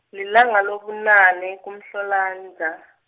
lilanga lobunane, kuMhlolanja.